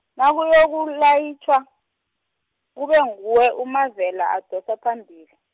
nakuyokulayitjhwa, kuba nguye uMavela adosa phambili.